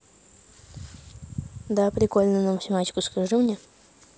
да прикольно но математику скажи мне